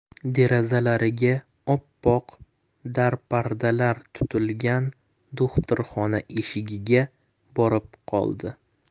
derazalariga oppoq darpardalar tutilgan do'xtirxona eshigiga borib qoldi